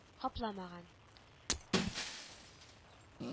Капламаган